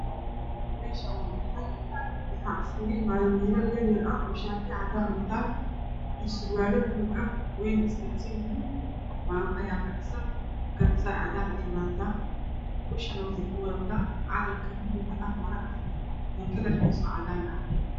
Meshan wa barxad wax iskugu imaday wilal yaryar ah oo shatiyo cadan watan surwalo bulug ah wayna istag sanyihin mamo aya fadhiso karbisar cadan ah ayi wadata dushane Waxay kuwadata calanak bulug ah e kalarkisu cadanah